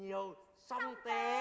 nhiều song tế